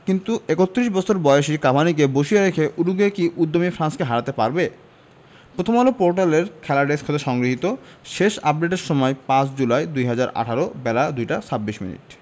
কিন্তু ৩১ বছর বয়সী কাভানিকে বসিয়ে রেখে উরুগুয়ে কি উদ্যমী ফ্রান্সকে হারাতে পারবে প্রথমআলো পোর্টালের খেলা ডেস্ক হতে সংগৃহীত শেষ আপডেটের সময় ৫ জুলাই ২০১৮ বেলা ২টা ২৬মিনিট